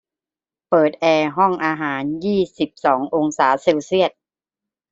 เปิดแอร์ห้องอาหารยี่สิบสององศาเซลเซียส